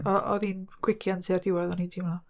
Oedd oedd hi'n gwegian tua'r diwadd o'n i'n teimlo